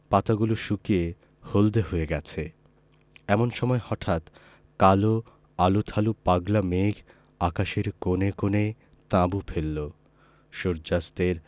পাতাগুলো শুকিয়ে হলদে হয়ে গেছে এমন সময় হঠাৎ কাল আলুথালু পাগলা মেঘ আকাশের কোণে কোণে তাঁবু ফেললো সূর্য্যাস্তের